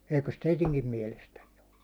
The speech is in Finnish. eikös teidänkin mielestänne ole